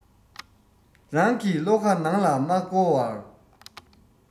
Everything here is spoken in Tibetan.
རང གི བློ ཁ ནང ལ མ བསྐོར བར